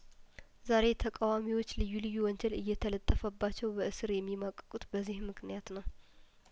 ዛሬ ተቃዋሚዎች ልዩ ልዩ ወንጀል እየተለጠፈባቸው በእስር የሚማቅቁት በዚህምክንያት ነው